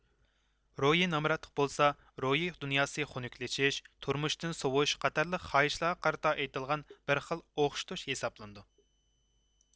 روھى نامراتلىق بولسا روھى دۇنياسى خۇنۈكلىشىش تۇرمۇشتىن سوۋۇش قاتارلىق خاھىشلارغا قارىتا ئېيتىلغان بىر خىل ئوخشىتىش ھېسابلىنىدۇ